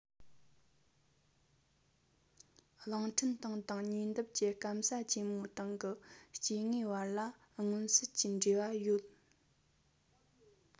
གླིང ཕྲན སྟེང དང ཉེ འདབས ཀྱི སྐམ ས ཆེན པོའི སྟེང གི སྐྱེ དངོས བར ལ མངོན གསལ གྱི འབྲེལ བ ཡོད